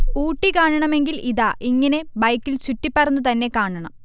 ഊട്ടി കാണണമെങ്കിൽ ഇതാ, ഇങ്ങിനെ ബൈക്കിൽ ചുറ്റിപ്പറന്നു തന്നെ കാണണം